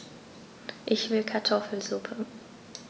Ich will Kartoffelsuppe.